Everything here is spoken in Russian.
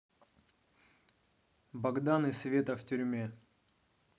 богдан и света в тюрьме